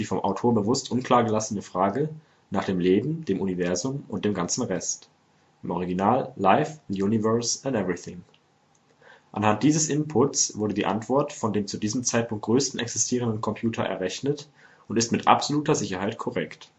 Autor bewusst unklar gelassene Frage „ nach dem Leben, dem Universum und dem ganzen Rest “(„ life, the universe and everything “). Anhand dieses Inputs wurde die Antwort von dem zu diesem Zeitpunkt größten existierenden Computer errechnet und ist mit absoluter Sicherheit korrekt